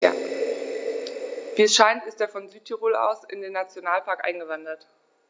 Wie es scheint, ist er von Südtirol aus in den Nationalpark eingewandert.